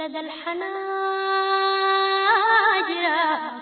Sangɛnin yogɛnin